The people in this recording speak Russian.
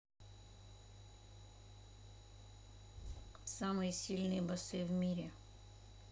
самые сильные басы в мире